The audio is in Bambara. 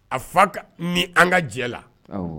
A fa ka ni an ka jɛ la